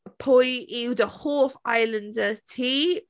Pwy yw dy hoff islander ti?